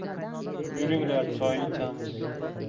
yuringlar choy ichamiz